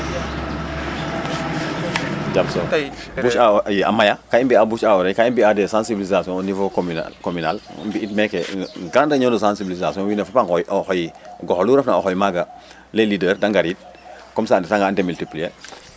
bouche ii a maya kaa i mbi'aa bouche a oreille des sensiblisation au nivau communal i mbi'in meeke temps de réunion de sensiblisation wiin ne fop a ngoy o xoy gox olu refna o xoy maaga les leaders da ngariid comme ca a ndetanga démultiplier